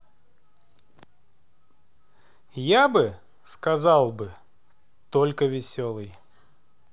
я бы сказал бы только веселый